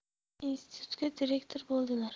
institutga direktor bo'ldilar